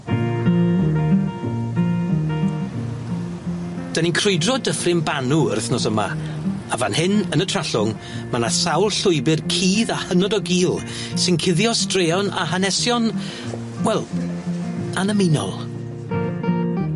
'Dan ni'n crwydro Dyffryn Banw yr wthnos yma, a fan hyn, yn y Trallwng ma' 'na sawl llwybyr cudd a hynod o gul sy'n cuddio straeon a hanesion wel, anymunol.